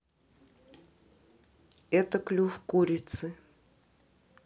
это клюв курицы